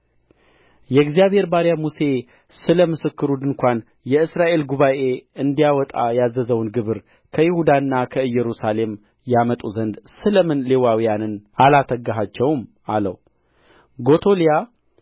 የእግዚአብሔር ባሪያ ሙሴ ስለ ምስክሩ ድንኳን የእስራኤል ጉባኤ እንዲያዋጣ ያዘዘውን ግብር ከይሁዳና ከኢየሩሳሌም ያመጡ ዘንድ ስለ ምን ሌዋውያንን አላተጋሃቸውም አለው ጎቶሊያ